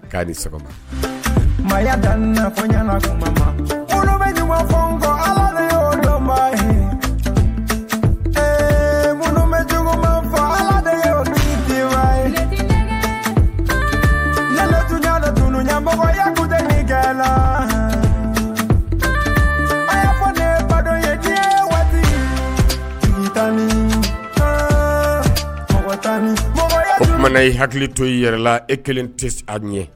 Di mana i hakili to i yɛrɛ la e kelen tɛ se a ye